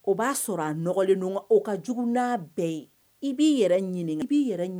O b'a sɔrɔ a nɔgɔlen nka o ka jugu n'a bɛɛ ye i b'i ɲini i b'i yɛrɛ ɲininka